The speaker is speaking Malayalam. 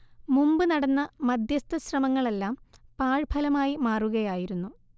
മുമ്പ് നടന്ന മധ്യസ്ഥ ശ്രമങ്ങളെല്ലാം പാഴ്ഫലമായി മാറുകയായിരുന്നു